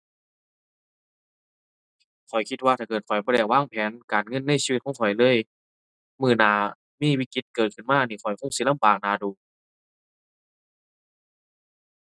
ข้อยคิดว่าถ้าเกิดข้อยบ่ได้วางแผนการเงินในชีวิตของข้อยเลย มื้อหน้ามีวิกฤตเกิดขึ้นมานี่ข้อยคงสิลำบากน่าดู